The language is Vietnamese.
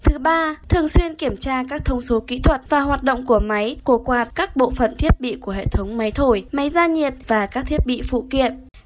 thứ ba thường xuyên kiểm tra các thông số kỹ thuật và hoạt động của máy của quạt các bộ phận thiết bị của hệ thống máy thổi máy gia nhiệt và các thiết bị phụ kiện